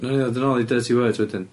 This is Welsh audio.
Newn ni ddod yn ôl i Dirty Words wedyn.